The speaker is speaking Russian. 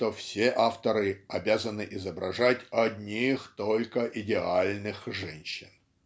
что все авторы обязаны изображать однех только идеальных женщин".